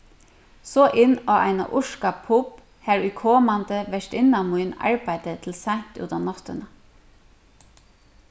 so inn á eina írska pubb har ið komandi vertinna mín arbeiddi til seint út á náttina